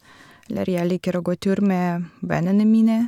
Eller jeg liker å gå tur med vennene mine.